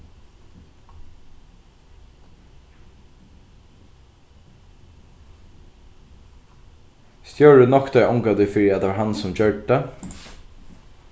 stjórin noktaði ongantíð fyri at tað var hann sum gjørdi tað